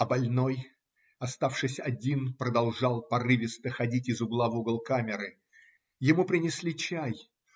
А больной, оставшись один, продолжал порывисто ходить из угла в угол камеры. Ему принесли чай